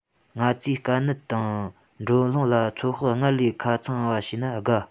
ང ཚོས དཀའ ངལ དང འགྲན སློང ལ ཚོད དཔག སྔར ལས ཁ ཚང བ བྱས ན དགའ